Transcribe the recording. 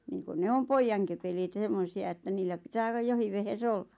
niin kuin ne on pojankepeleet ja semmoisia että niillä pitää olla jokin vehje olla